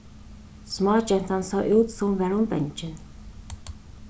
smágentan sá út sum var hon bangin